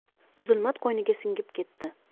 zulmat qo'yniga singib ketdi